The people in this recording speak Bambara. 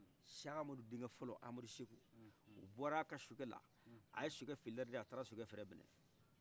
seku amadu denkɛ fɔlɔ amadu seku a bɔra a ka sokɛla aye sokɛ filerdi kata ka sokɛ frɛnminɛ